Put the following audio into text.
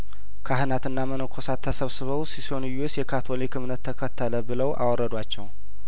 ካህናትና መነኮሳት ተሰብስበው ሱሰንዮስ የካቶሊክ እምነት ተከተለብለው አወረዷቸው